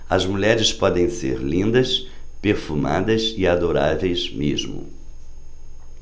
as mulheres podem ser lindas perfumadas e adoráveis mesmo